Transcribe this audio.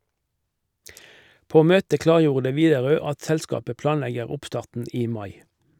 På møtet klargjorde Widerøe at selskapet planlegger oppstarten i mai.